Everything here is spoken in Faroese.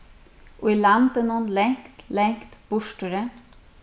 í landinum langt langt burturi